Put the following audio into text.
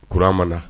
Kuran ma na